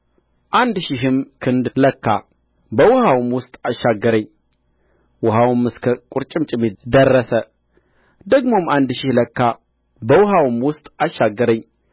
አንድ ሺህም ክንድ ለካ በውኃውም ውስጥ አሻገረኝ ውኃም እስከ ቍርጭምጭሚት ደረሰ ደግሞ አንድ ሺህ ለካ በውኃውም ውስጥ አሻገረኝ